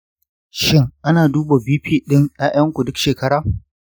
shi ana duba bp ɗin ƴaƴanku duk shekara?